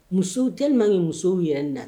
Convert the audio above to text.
Musow tɛ man ɲi musow yɛrɛ na